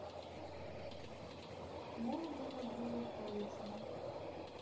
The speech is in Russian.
как молоды мы были каверзам